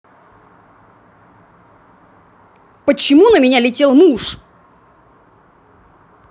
почему на меня летел муж